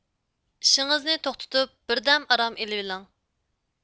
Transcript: ئىشىڭىزنى توختىتىپ بىردەم ئارام ئېلىۋىلىڭ